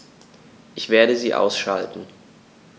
Ich werde sie ausschalten